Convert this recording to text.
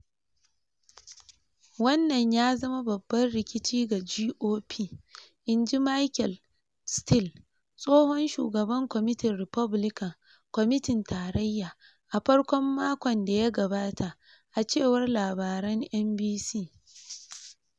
"Wannan ya zama babban rikici ga GOP," in ji Michael Steele, tsohon shugaban kwamitin Republican Kwamitin Tarayya, a farkon makon da ya gabata, a cewar Labaran NBC.